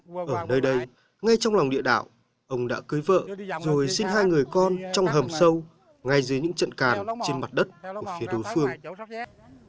ở nơi đây ngay trong lòng địa đạo ông đã cưới vợ rồi sinh hai người con trong hầm sâu ngay dưới những trận càn trên mặt đất của phía đối phương